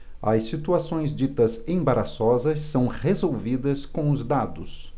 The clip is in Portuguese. as situações ditas embaraçosas são resolvidas com os dados